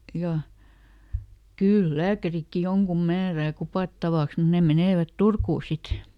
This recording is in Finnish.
ja kyllä lääkärikin jonkun määrää kupattavaksi mutta ne menevät Turkuun sitten